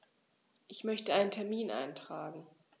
Ich möchte einen Termin eintragen.